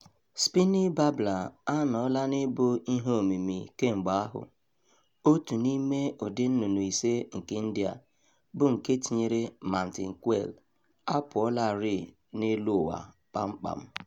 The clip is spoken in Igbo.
Spiny Babbler anọọla n'ịbụ ihe omimi kemgbe ahụ, otu n'ime ụdị nnụnụ ise nke India, bụ nke, tinyere Mountain Quail, apụọlarịị n'elu ụwa kpamkpam.